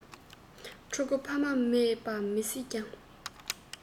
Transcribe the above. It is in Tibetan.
ཕྲུ གུ ཕ མ མེད པ མི སྲིད ཀྱང